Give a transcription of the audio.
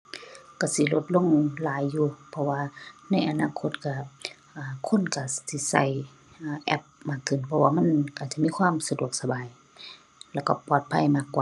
ก็สิลดลงหลายอยู่ เพราะว่าในอนาคตก็ อ่า คนก็สิก็ เอ่อ แอปมากขึ้น เพราะว่ามันก็จะมีความสะดวกสบายแล้วก็ปลอดภัยมากกว่า